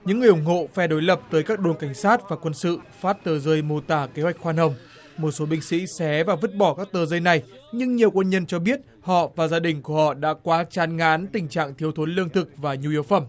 những người ủng hộ phe đối lập tới các đồn cảnh sát và quân sự phát tờ rơi mô tả kế hoạch khoan hồng một số binh sĩ xé và vứt bỏ các tờ rơi này nhưng nhiều quân nhân cho biết họ và gia đình của họ đã quá chán ngán tình trạng thiếu thốn lương thực và nhu yếu phẩm